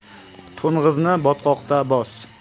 to'ng'izni botqoqda bos